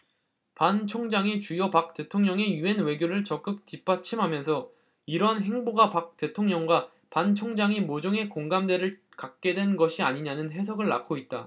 반 총장이 주요 박 대통령의 유엔 외교를 적극 뒷받침하면서 이러한 행보가 박 대통령과 반 총장이 모종의 공감대를 갖게 된 것이 아니냐는 해석을 낳고 있다